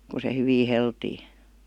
kun se hyvin heltiää